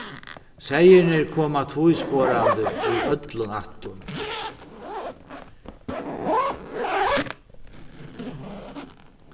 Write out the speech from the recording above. seyðirnir koma tvísporandi úr øllum ættum